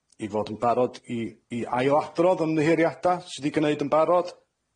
I fod yn barod i i ailadrodd ymddiheuriada sy 'di gneud yn barod,